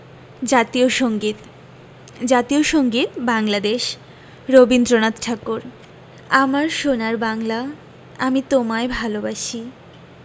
জাতীয় সংগীত জাতীয় সংগীত বাংলাদেশ রবীন্দ্রনাথ ঠাকুর আমার সোনার বাংলা আমি তোমায় ভালোবাসি